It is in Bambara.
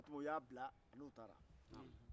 u y'a bila a n'u taara